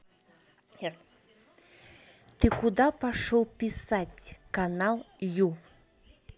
ты куда пошел писать канал ю